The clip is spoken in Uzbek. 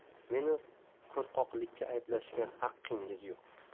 meni qo'rqoqlikda ayblashga haqqingiz yo'q